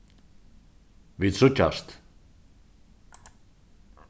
vit síggjast